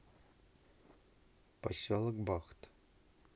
поселок бахта